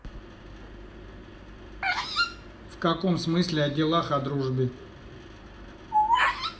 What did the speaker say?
в каком смысле о делах о дружбе